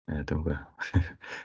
Ia, dw i'm yn gwbod !